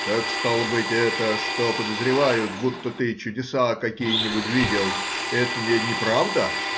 — Так, стало быть, это, что подозревают, будто ты чудеса какие-нибудь видел, это неправда?